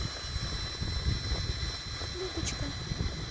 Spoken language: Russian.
любочка